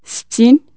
ستين